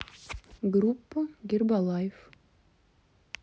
группа гербалайф